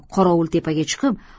qorovultepaga chiqib